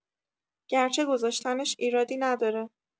گرچه گذاشتنش ایرادی نداره